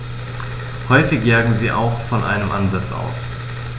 Häufig jagen sie auch von einem Ansitz aus.